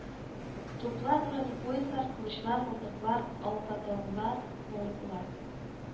Туплар бронепоездлар кылычлар мылтыклар алтатарлар бомбалар